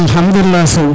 alkhadoulilah sow